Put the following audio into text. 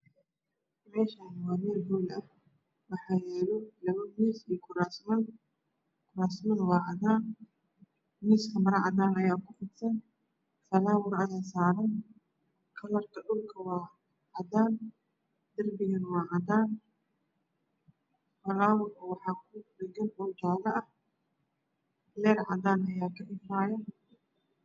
Meshan waa meel hol ah waxa yaalo Labomis iyo kurasman kurasmada waacadan miskan marocadan ayaasaran kufidsan falawur cadan ayasaran kalarkadhulkawacadan derbigana wacadan falawurka waxa kudhegan qoljaloah Lercadan ayaakaifaya